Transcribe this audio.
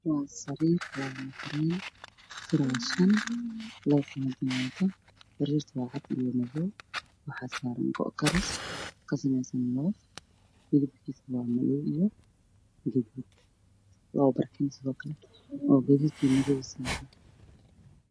Waa sariir waxaa saaran go-karas midabkiisu yahay guduud madow sidoo kale waxaa saaran labo barkiin